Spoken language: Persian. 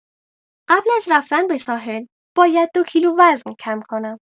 قبل از رفتن به ساحل، باید دو کیلو وزن کم کنم.